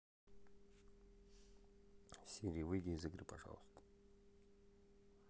сири выйди из игры пожалуйста